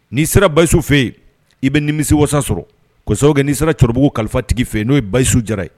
N'i sera basisu fɛ yen i bɛ ni misi wasa sɔrɔ kɔsa kɛ n'i sera cɛkɔrɔbabugu kalifatigi fɛ yen n'o ye basisu jara ye